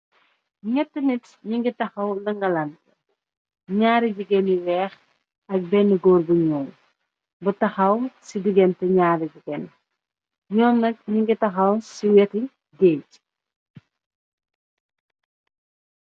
Ñett nit ñu ngi tahaw nlangalanteh ñaari jigèen yu weex ak benn góor bu ñuul bu tahaw ci diganteh ñaari yi ñoom nag ñu ngi tahaw ci weti gèej.